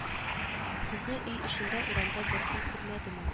Сезне өй эчендә урамда беркем күрмәдеме